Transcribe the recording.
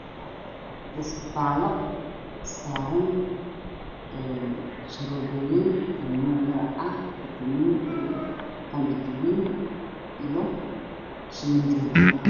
Waa farmashiyo waxaa yaal shababooyin iyo kaniinooyin oo saaran iska faallo midabkooda waa caddaan kartaan ayay ku jiraan